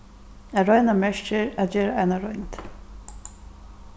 at royna merkir at gera eina roynd